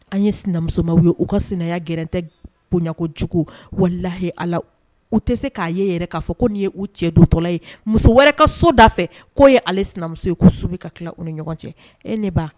An ye sinamusoma ye u ka sinaya g tɛ bonyakojugu wala layi ala u tɛ se k'a ye yɛrɛ k'a fɔ ko n ye u cɛ dutɔla ye muso wɛrɛ ka so da fɛ k'o ye ale sinamuso ye ko so bɛ ka tila u ni ɲɔgɔn cɛ e ne ba